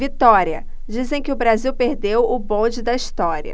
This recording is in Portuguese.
vitória dizem que o brasil perdeu o bonde da história